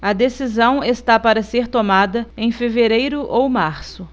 a decisão está para ser tomada em fevereiro ou março